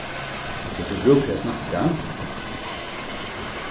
hevur tú brúk fyri at snakka